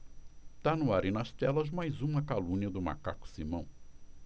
tá no ar e nas telas mais uma calúnia do macaco simão